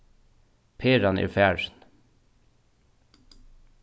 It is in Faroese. peran er farin